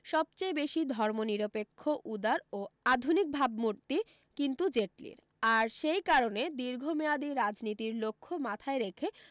সব চেয়ে বেশী ধর্মনিরপেক্ষ উদার ও আধুনিক ভাবমূর্তি কিন্তু জেটলির আর সেই কারণে দীর্ঘমেয়াদি রাজনীতির লক্ষ্য মাথায় রেখে